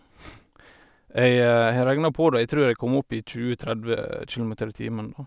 Jeg har regna på det, og jeg trur jeg kom opp i tjue tredve kilometer i timen, da.